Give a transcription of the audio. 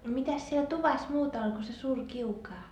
mitäs siellä tuvassa muuta oli kuin se suuri kiuas